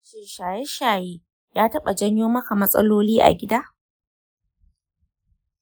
shin shaye-shaye ya taɓa janyo maka matsaloli a gida?